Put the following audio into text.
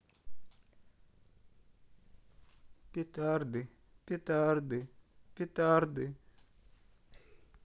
петарды петарды петарды